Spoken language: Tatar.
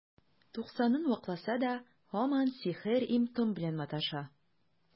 Туксанын вакласа да, һаман сихер, им-том белән маташа.